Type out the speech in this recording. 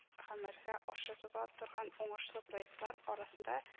Гамәлгә ашырыла торган уңышлы проектлар арасында